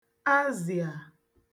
azị̀à